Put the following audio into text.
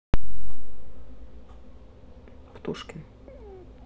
птушкин